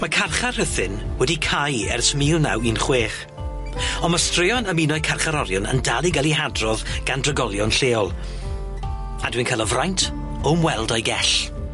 Ma' carchar Rhuthun wedi cau ers mil naw un chwech on' ma' straeon am un o'i carcharorion yn dal i ga'l 'u hadrodd gan drigolion lleol a dwi'n cael y fraint o ymweld a'i gell.